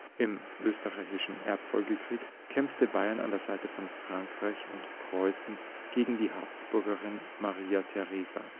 Im Österreichischen Erbfolgekrieg kämpfte Bayern an der Seite von Frankreich und Preußen gegen die Habsburgerin Maria Theresia